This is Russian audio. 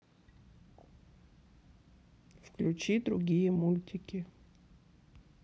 включи другие мультики